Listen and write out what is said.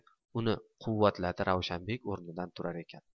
uni quvvatladi ravshanbek o'rnidan turar ekan